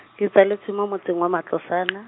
ke tsaletswe mo motseng wa Matlosana.